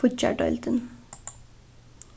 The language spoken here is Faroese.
fíggjardeildin